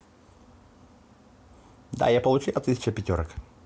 да я получаю тысяча пятерок